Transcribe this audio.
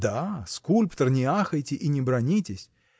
Да, скульптор — не ахайте и не бранитесь!